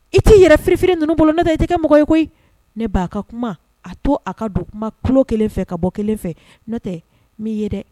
I tɛ'i yɛrɛ firifiinin ninnu bolo n tɛ i tɛ kɛ mɔgɔ i koyi ne ba ka kuma a to a ka don kuma ku kelen fɛ ka bɔ kelen fɛ n tɛ n'i ye dɛ